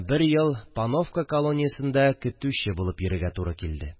Бер ел пановка колониясендә көтүче булып йөрергә генә туры килде